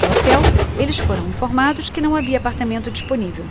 no hotel eles foram informados que não havia apartamento disponível